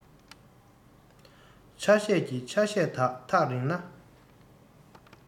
ཆ ཤས ཀྱི ཆ ཤས དག ཐག རིང ན